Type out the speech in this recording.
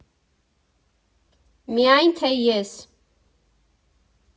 Միայն թե ես։